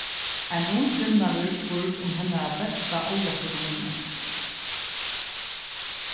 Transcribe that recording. ein ung kvinna verður spurd um hennara besta ólavsøkuminni